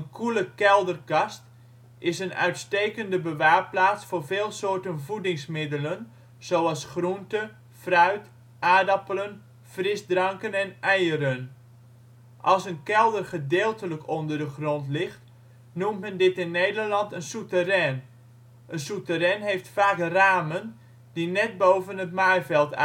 koele kelder (kast) is een uitstekende bewaarplaats voor veel soorten voedingsmiddelen zoals groente, fruit, aardappelen, frisdranken en eieren. Als een kelder gedeeltelijk onder de grond ligt noemt men dit in Nederland een souterrain. Een souterrain heeft vaak ramen die net boven het maaiveld